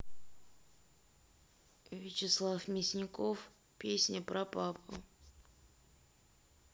вячеслав мясников песня про папу